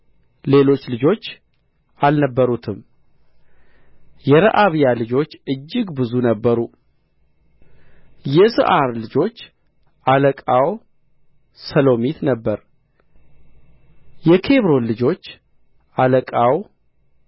ሌሎች ልጆች አልነበሩትም የረዓብያ ልጆች እጅግ ብዙ ነበሩ የይስዓር ልጆች አለቃው ሰሎሚት ነበረ የኬብሮን ልጆች አለቃው